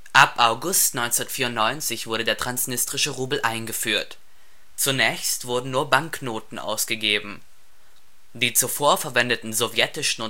Ab August 1994 wurde der Transnistrische Rubel eingeführt. Zunächst wurden nur Banknoten ausgegeben. Die zuvor verwendeten Sowjetischen